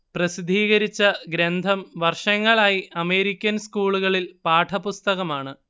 പ്രസിദ്ധീകരിച്ച ഗ്രന്ഥം വർഷങ്ങളായി അമേരിക്കൻ സ്കൂളുകളിൽ പാഠപുസ്തകമാണ്